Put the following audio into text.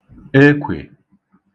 ekwè